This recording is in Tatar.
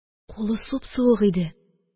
Кулы суп-суык иде.